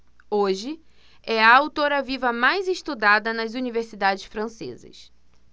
hoje é a autora viva mais estudada nas universidades francesas